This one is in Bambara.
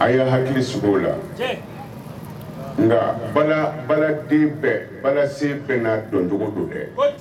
a y yea hakili sogo la nka den bɛɛ bala sen bɛɛ na dɔncogo don dɛ